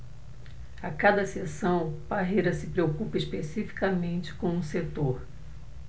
a cada sessão parreira se preocupa especificamente com um setor